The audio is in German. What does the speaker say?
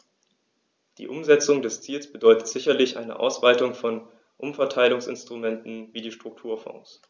Die Umsetzung dieses Ziels bedeutet sicherlich eine Ausweitung von Umverteilungsinstrumenten wie die Strukturfonds.